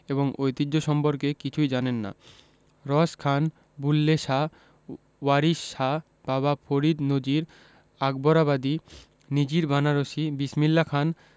এবং ঐতিহ্য সম্পর্কে কিছুই জানেন না রস খান বুল্লে শাহ ওয়ারিশ শাহ বাবা ফরিদ নজির আকবরাবাদি নিজির বানারসি বিসমিল্লা খান